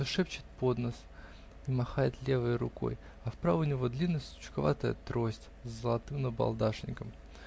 всё шепчет под нос и махает левой рукой, а в правой у него длинная сучковатая трость с золотым набалдашником.